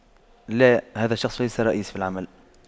لا هذا الشخص ليس رئيسي في العمل